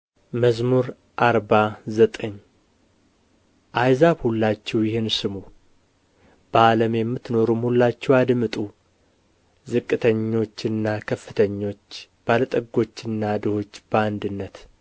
መዝሙር አርባ ዘጠኝ አሕዛብ ሁላችሁ ይህን ስሙ በዓለም የምትኖሩትም ሁላችሁ አድምጡ ዝቅተኞችና ከፍተኞች ባለጠጎችና ድሆች በአንድነት